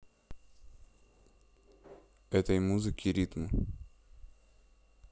этой музыки ритм